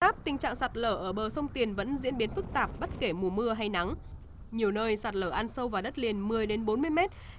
các tình trạng sạt lở ở bờ sông tiền vẫn diễn biến phức tạp bất kể mùa mưa hay nắng nhiều nơi sạt lở ăn sâu vào đất liền mười đến bốn mươi mét